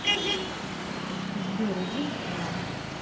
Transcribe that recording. сбер иди на хуй